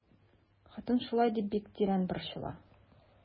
Хатын шулай дип бик тирән борчыла.